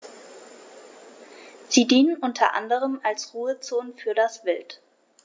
Sie dienen unter anderem als Ruhezonen für das Wild.